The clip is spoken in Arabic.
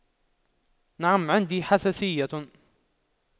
نعم عندي حساسية